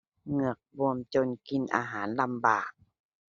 เหงือกบวมจนกินอาหารลำบาก